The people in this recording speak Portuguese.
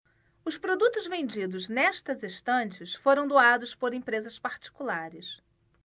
os produtos vendidos nestas estantes foram doados por empresas particulares